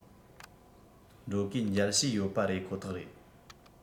འགྲོ གུས མཇལ ཞུས ཡོད པ རེད ཁོ ཐག རེད